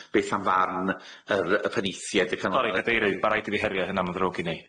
Beth am farn yr y penaethiaid... Sori, Gadeirydd, mae'n rhaid i mi herio hynny, mae'n ddrwg gen i.